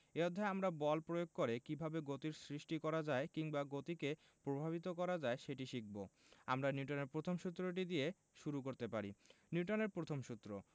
এই অধ্যায়ে আমরা বল প্রয়োগ করে কীভাবে গতির সৃষ্টি করা যায় কিংবা গতিকে প্রভাবিত করা যায় সেটি শিখব আমরা নিউটনের প্রথম সূত্রটি দিয়ে শুরু করতে পারি নিউটনের প্রথম সূত্র